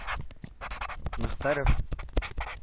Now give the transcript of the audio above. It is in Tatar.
Мохтаров